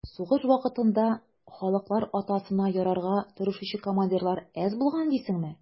Сугыш вакытында «халыклар атасына» ярарга тырышучы командирлар әз булган дисеңме?